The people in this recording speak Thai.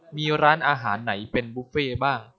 มีร้านอาหารไหนเป็นบุฟเฟต์บ้าง